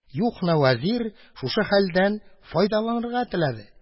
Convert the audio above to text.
Юхна вәзир шушы хәлдән файдаланырга теләде